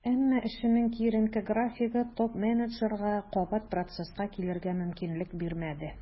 Әмма эшенең киеренке графигы топ-менеджерга кабат процесска килергә мөмкинлек бирмәде.